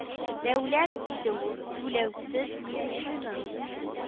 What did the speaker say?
Дәүләт, диде ул, түләүсез медицинаның